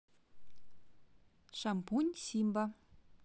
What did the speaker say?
шампунь симба